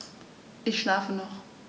Ich schlafe noch.